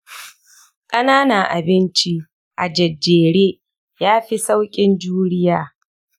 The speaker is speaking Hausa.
ƙananan abinci a jejjere yafi sauƙin juriya.